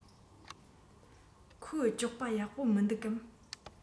ཁོའི སྤྱོད པ ཡག པོ མི འདུག གམ